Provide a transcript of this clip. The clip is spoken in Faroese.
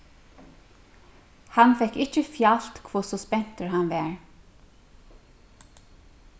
hann fekk ikki fjalt hvussu spentur hann var